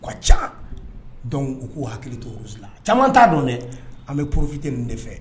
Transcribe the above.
Ka ca dɔnku u'u hakili tola caman t'a don dɛ an bɛ porofi fitini de fɛ